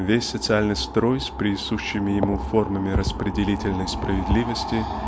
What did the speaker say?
Весь социальный строй с присущими ему формами распределительной справедливости